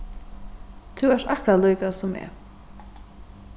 tú ert akkurát líka sum eg